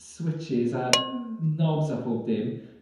switsys a'r... ...knobs pob dim